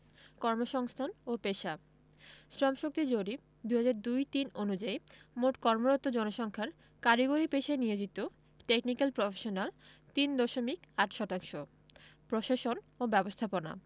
কর্মসংস্থান ও পেশাঃ শ্রমশক্তি জরিপ ২০০২ ০৩ অনুযায়ী মোট কর্মরত জনসংখ্যার কারিগরি পেশায় নিয়োজিত টেকনিকাল প্রফেশনাল ৩ দশমিক ৮ শতাংশ প্রশাসন ও ব্যবস্থাপনা